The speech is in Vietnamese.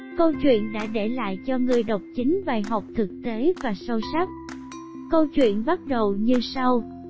câu chuyện đã để lại cho người đọc bài học thực tế và sâu sắc câu chuyện bắt đầu như sau